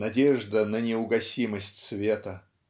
надежда на неугасимость света)